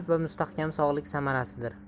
va mustahkam sog'liq samarasidir